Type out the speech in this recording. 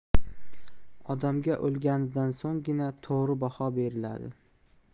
odamga o'lganidan so'nggina to'g'ri baho beradilar